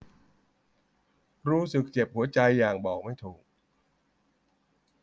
รู้สึกเจ็บหัวใจอย่างบอกไม่ถูก